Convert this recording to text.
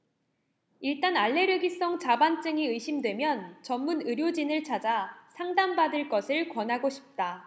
일단 알레르기성 자반증이 의심되면 전문 의료진을 찾아 상담 받을 것을 권하고 싶다